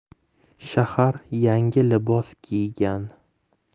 shahar yangi libos kiygan